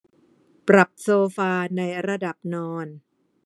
ปรับโซฟาในระดับนอน